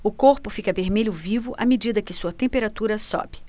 o corpo fica vermelho vivo à medida que sua temperatura sobe